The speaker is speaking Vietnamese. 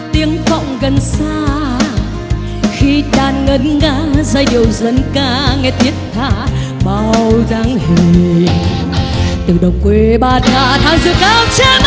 tiếng vọng gần xa khi đàn ngân nga giai điệu dân ca nghe thiết tha bao dáng hình từ đồng quê bát ngát hàng dừa cao che mát